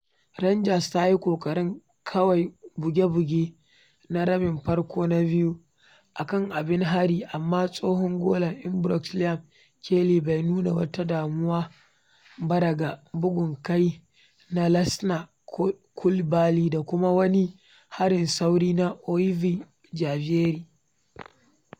Rangers ta yi ƙoƙarin kawai buge-buge na rabin farko na biyu a kan abin hari amma tsohon golan Ibrox Liam Kelly bai nuna wata damuwa ba daga bugun kai na Lassana Coulibaly da kuma wani harin sauri na Ovie Ejaria.